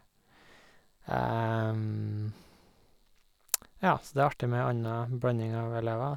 Ja, så det er artig med ei anna blanding av elever.